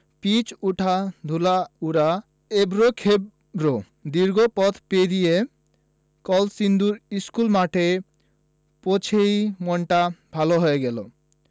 pitch ওঠা ধুলো ওড়া এবড়োথেবড়ো দীর্ঘ পথ পেরিয়ে কলসিন্দুর স্কুলমাঠে পৌঁছেই মনটা ভালো হয়ে গেল